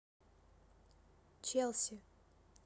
челси